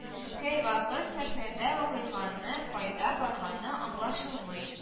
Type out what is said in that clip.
Кәйвакыт сәхнәдә вакыйганың кайда барганы аңлашылмый